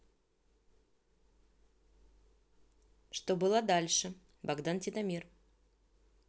что было дальше богдан титамир